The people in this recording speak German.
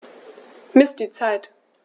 Miss die Zeit.